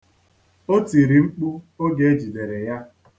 O tiri mkpu oge e jidere ya.